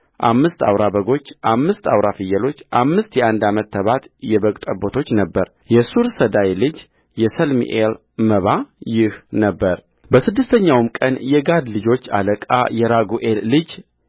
አምስት አውራ በጎች አምስት አውራ ፍየሎች አምስት የአንድ ዓመት ተባት የበግ ጠቦቶች ነበረ የሱሪሰዳይ ልጅ የሰለሚኤል መባ ይህ ነበረበስድስተኛውም ቀን የጋድ ልጆች አለቃ የራጉኤል ልጅ